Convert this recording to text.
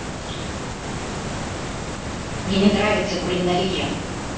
мне не нравится кулинария